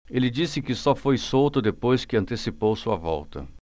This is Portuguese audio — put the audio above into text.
ele disse que só foi solto depois que antecipou sua volta